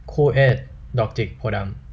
คู่เอซดอกจิกโพธิ์ดำ